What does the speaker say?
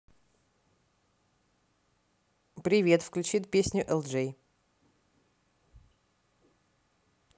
привет включи песню элджей